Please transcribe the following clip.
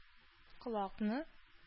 Колакны